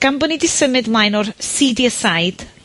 gan bo' ni 'di symud mlaen o'r seedier side,